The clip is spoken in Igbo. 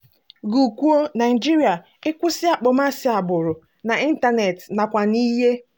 Gụ kwuo: Naịjirịa: Ịkwụsị akpọmasị agbụrụ — n'ịntaneetị nakwa n'ihe